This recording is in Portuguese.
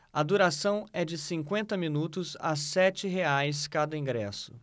a duração é de cinquenta minutos a sete reais cada ingresso